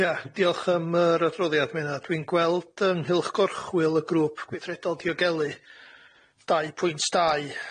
Ie diolch yym yr adroddiad ma' hynna dwi'n gweld ynghylch gorchwil y grŵp gweithredol diogelu dau pwynt dau.